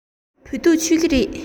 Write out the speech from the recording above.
བོད ཐུག མཆོད ཀྱི རེད